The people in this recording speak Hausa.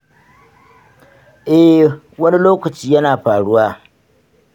eh, wani lokaci yana faruwa.